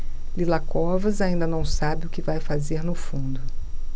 lila covas ainda não sabe o que vai fazer no fundo